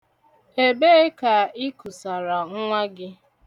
Ebee ka i kusara nwa gị?